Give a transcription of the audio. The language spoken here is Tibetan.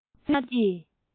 ཐ ན དུས ཀྱི